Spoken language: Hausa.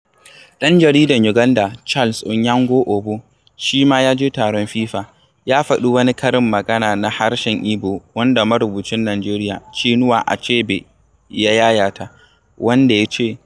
ɗan jaridan Uganda, Charles Onyango-Obbo shi ma ya je taron FIFA, ya faɗi wani karin magana na harshen Ibo wanda marubucin Najeriya Chinua Achebe ya yayata, wanda ya ce: